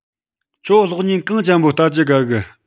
ཁྱོད གློག བརྙན གང ཅན པོ བལྟ རྒྱུའོ དགའ གི